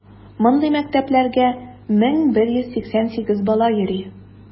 Мондый мәктәпләргә 1188 бала йөри.